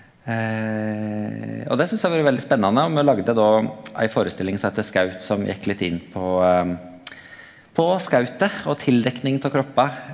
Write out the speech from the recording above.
og det synast eg har vore veldig spennande, og me laga då ei førestilling som heitte Skaut som gjekk litt inn på på skautet og dekking av kroppar.